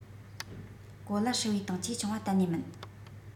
གོ ལ ཧྲིལ པོའི སྟེང ཆེས ཆུང བ གཏན ནས མིན